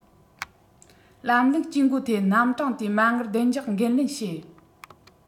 ལམ ལུགས ཇུས འགོད ཐད རྣམ གྲངས དེའི མ དངུལ བདེ འཇགས འགན ལེན བྱེད